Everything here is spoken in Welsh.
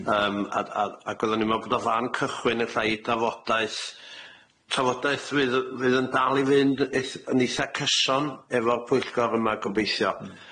Yym a- a- ag oddan ni meddwl bod o fan cychwyn ella i drafodaeth trafodaeth fydd y- fydd yn dal i fynd eith- yn eitha cyson efo'r pwyllgor yma gobeithio.